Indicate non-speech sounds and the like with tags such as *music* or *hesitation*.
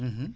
*hesitation* *hesitation*